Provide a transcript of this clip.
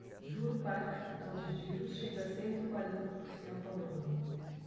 juro para capital de giro chega a cento e quarenta por cento ao ano